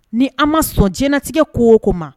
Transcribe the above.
Ni an ma sɔn diɲɛlatigɛ ko o ko ma